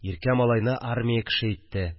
Иркә малайны армия кеше итте